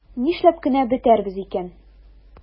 Нишләп кенә бетәрбез икән?